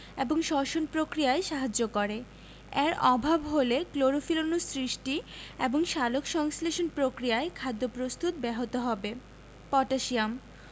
এবং শ্বসন প্রক্রিয়ায় সাহায্য করে এর অভাব হলে ক্লোরোফিল অণু সৃষ্টি এবং সালোকসংশ্লেষণ প্রক্রিয়ায় খাদ্য প্রস্তুত ব্যাহত হবে পটাশিয়াম